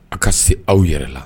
A ka se aw yɛrɛ la